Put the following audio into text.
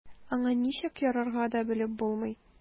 Аңа ничек ярарга да белеп булмый.